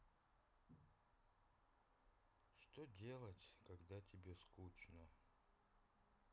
что делать когда тебе скучно